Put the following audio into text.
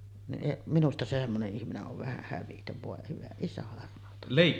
niin minusta se semmoinen ihminen on vähän hävytön voi hyvä isä armahtakoon